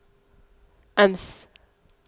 أمس